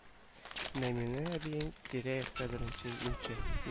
Мәймүнә әбиең тирә-якта беренче имче